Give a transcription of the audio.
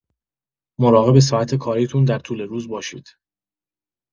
مراقب ساعت کاریتون در طول روز باشید!